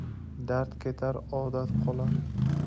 dard ketar odat qolar